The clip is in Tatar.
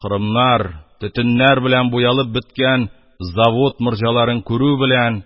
Корымнар, төтеннәр белән буялып беткән завод морҗаларын күрү белән